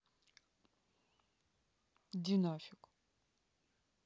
ди нафиг